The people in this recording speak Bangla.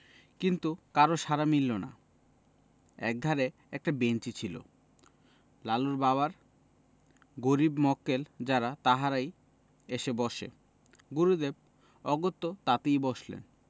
কিন্তু কারও সাড়া মিলল না একধারে একটা বেঞ্চি ছিল লালুর বাবার গরীব মক্কেল যারা তাহারই এসে বসে গুরুদেব অগত্যা তাতেই বসলেন